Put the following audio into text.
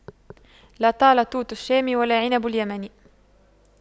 لا طال توت الشام ولا عنب اليمن